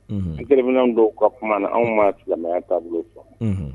N terimin don ka kuma na anw ma silamɛya taabolo sɔn